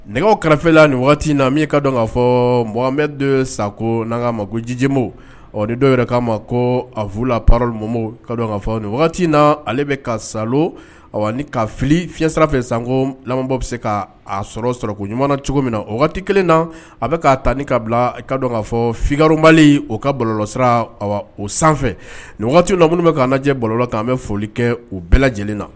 Nɛgɛ kɛrɛfɛfela nin waati in na min' ka dɔn k'a fɔ mɔgɔ bɛ don sakɔ n' ka ma ko jijibo ɔ ni dɔw yɛrɛ k'a ma ko a fu la ka ka fɔ wagati in na ale bɛ ka sa ka fili fi sira fɛ sanko lamɔbɔ bɛ se k ka a sɔrɔ sɔrɔ ko ɲuman cogo min na o wagati kelen na a bɛ kaa ta ni ka bila ka k'a fɔ fikabali o ka bɔlɔsira o sanfɛ nin wagati na bɛ'jɛ balolɔ tan an bɛ foli kɛ u bɛɛ lajɛlen na